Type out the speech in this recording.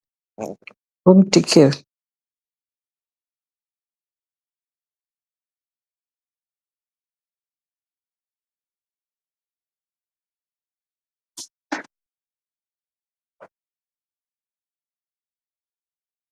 Bunti ker